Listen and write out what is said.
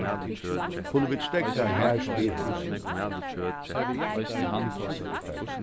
kunnu vit steðga har spyr hann